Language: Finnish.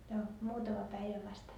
no muutama päivä vasta